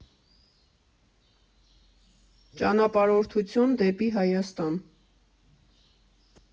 Ճանապարհորդություն դեպի Հայաստան։